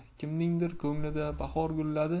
kimningdir ko'nglida bahor gulladi